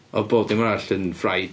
Odd pob dim arall yn fried.